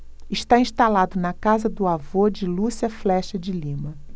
está instalado na casa do avô de lúcia flexa de lima